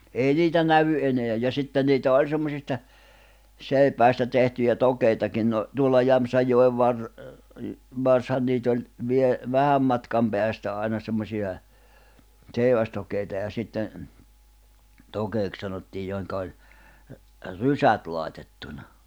ei niitä näy enää ja sitten niitä oli semmoisista seipäistä tehtyjä tokeitakin no tuolla Jämsänjoen - varsihan niitä oli - vähän matkan päästä aina semmoisia seivästokeita ja sitten tokeeksi sanottiin joihin oli rysät laitettuna